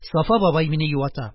Сафа бабай мине юата: